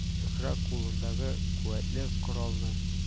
Зөһрә кулындагы куәтле коралны